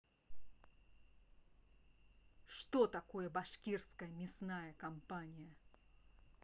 что такое башкирская мясная компания